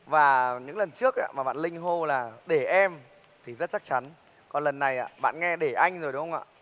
và những lần trước bạn linh hô là để em thì rất chắc chắn còn lần này bạn nghe để anh rồi đúng không ạ